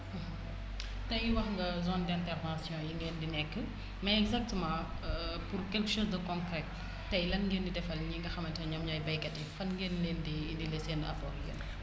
tay wax nga zone d' intervention yi ngeen di nekk mais exactement pour quelque chose de concret tay lan ngeen di defal ñi nga xamante ne ñoom ñooy baykat yi fan ngeen leen di indilee seen apport yéen